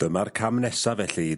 Dyma'r cam nesa felly i...